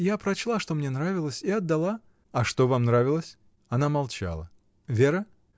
Я прочла, что мне нравилось, и отдала. — А что вам нравилось? Она молчала. — Вера?